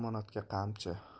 yomon otga qamchi